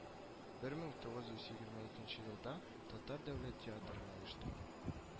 Бер мең тугыз йөз егерме икенче елда татар дәүләт театрын оештыра